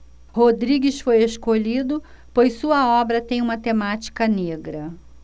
rodrigues foi escolhido pois sua obra tem uma temática negra